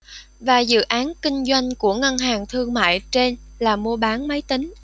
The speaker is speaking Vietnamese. và dự án kinh doanh của ngân hàng thương mại trên là mua bán máy tính